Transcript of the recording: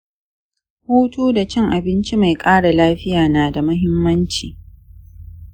hutu da cin abinci mai kara lafiya na da muhimmanci.